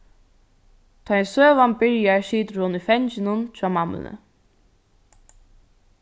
tá ið søgan byrjar situr hon í fanginum hjá mammuni